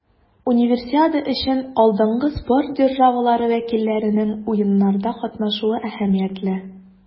Универсиада өчен алдынгы спорт державалары вәкилләренең Уеннарда катнашуы әһәмиятле.